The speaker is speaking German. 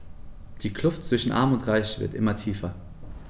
Die Kluft zwischen Arm und Reich wird immer tiefer.